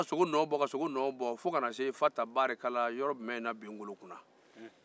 a ye sogo nɔ bɔ fo ka na se ŋolokunna